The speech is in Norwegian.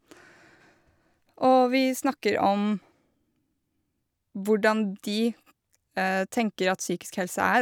Og vi snakker om hvordan de tenker at psykisk helse er.